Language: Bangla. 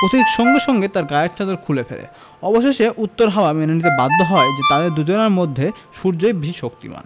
পথিক সঙ্গে সঙ্গে তার গায়ের চাদর খুলে ফেলে অবশেষে উত্তর হাওয়া মেনে নিতে বাধ্য হয় যে তাদের দুজনের মধ্যে সূর্যই বেশি শক্তিমান